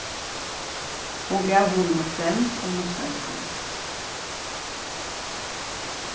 hon gav honum eitt klemm og mussaði hann